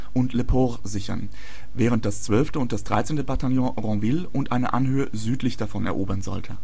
Port sichern, während das 12. und 13. Bataillon Ranville und eine Anhöhe südlich davon erobern sollte